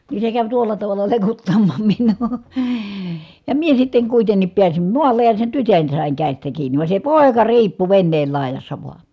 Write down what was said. niin se kävi tuolla tavalla lekuttamaan minua ja minä sitten kuitenkin pääsin maalle ja sen tytön sain käsistä kiinni vaan se poika riippui veneen laidassa vaan